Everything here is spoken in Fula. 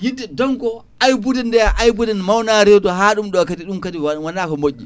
yidde donc aybude nde aybude mawna reedu ha ɗum ɗo kadi wona ko moƴƴi